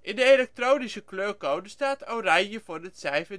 In de elektronische kleurcode staat oranje voor het cijfer